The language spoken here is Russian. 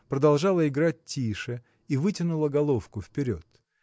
продолжала играть тише и вытянула головку вперед.